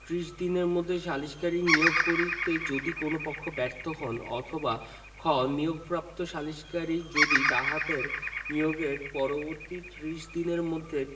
ত্রিশ দিনের মধ্যে সালিসকারী নিয়োগ করিতে যদি কোন পক্ষ ব্যর্থ হন অথবা খ নিয়োগপ্রাপ্ত সালিসকারী যদি তাহাদের নিয়োগের পরবর্তি ত্রিশ দিনের মধ্যে